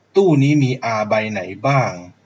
ตู้นี้มีอาใบไหนบ้าง